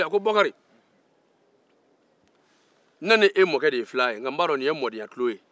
a ko bokari ne ni e mɔkɛ de ye filan ye nka n'ba dɔn nin ye mɔdenya tulon ye